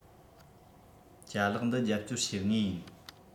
ཅ ལག འདི རྒྱབ སྐྱོར བྱེད ངེས རེད